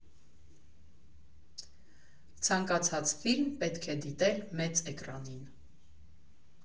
Ցանկացած ֆիլմ պետք է դիտել մեծ էկրանին։